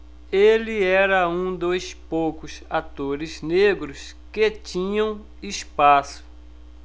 ele era um dos poucos atores negros que tinham espaço